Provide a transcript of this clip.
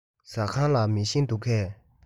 ཟ ཁང ལ མེ ཤིང འདུག གས